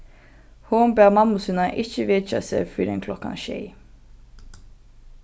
hon bað mammu sína ikki vekja seg fyrr enn klokkan sjey